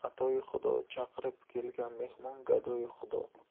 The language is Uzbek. chaqirib kelgan mehmon gadoyi xudo